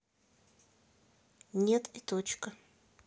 нет и точка